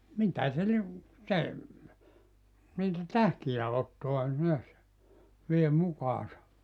mitä se lie se niitä tähkiä ottaa näet vie mukaansa